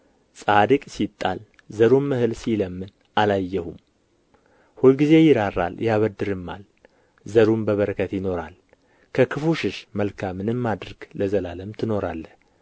ጻድቅ ሲጣል ዘሩም እህል ሲለምን አላየሁም ሁልጊዜ ይራራል ያበድርማል ዘሩም በበረከት ይኖራል ከክፉ ሽሽ መልካምንም አድርግ ለዘላለምም ትኖራለህ